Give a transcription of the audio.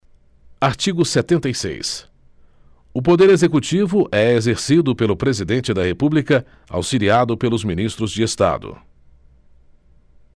artigo setenta e seis o poder executivo é exercido pelo presidente da república auxiliado pelos ministros de estado